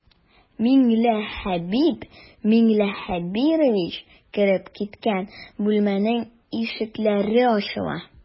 Миңлехәбиб миңлехәбирович кереп киткән бүлмәнең ишекләре ачыла.